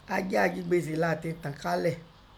A jẹ́ ajigbèsè latin tàn án kalẹ̀.